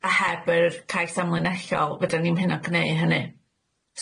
a heb yr cais amlinellol fydan ni'm hynna'n gneu' hynny.